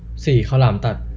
สี่ข้าวหลามตัด